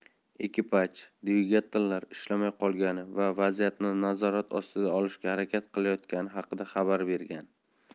ekipaj dvigatellar ishlamay qolgani va vaziyatni nazorat ostiga olishga harakat qilayotgani haqida xabar bergan